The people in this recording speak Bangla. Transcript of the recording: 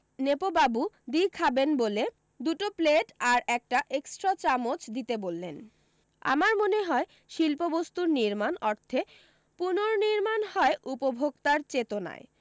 নেপোবাবু দি খাবেন বলে দুটো প্লেট আর একটা এক্সট্রা চামচ দিতে বললেন আমার মনে হয় শিল্পবস্তুর নির্মাণ অর্থে পুনর্নির্মাণ হয় উপভোক্তার চেতনায়